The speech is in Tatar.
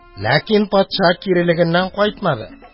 Ләкин патша кирелегеннән кайтмады.